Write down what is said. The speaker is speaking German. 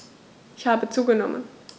Ich habe zugenommen.